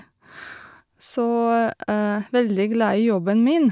Så, veldig glad i jobben min.